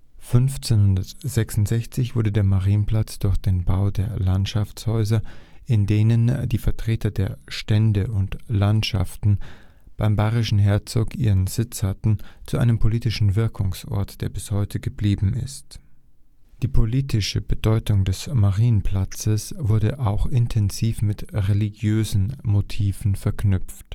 1566 wurde der Marienplatz durch den Bau der Landschaftshäuser, in denen die Vertreter der Stände und Landschaften beim bayerischen Herzog ihren Sitz hatten, zu einem politischen Wirkungsort, der er bis heute geblieben ist. Die politische Bedeutung des Marienplatzes wurde auch intensiv mit religiösen Motiven verknüpft